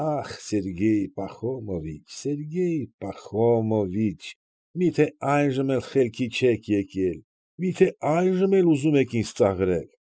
Ախ, Սերգեյ Պախոմովիչ, Սերգեյ Պախոմովիչ, մի՞թե այժմ էլ խելքի չեք եկել, մի՞թե այժմ էլ ուզում եք ինձ ծաղրել։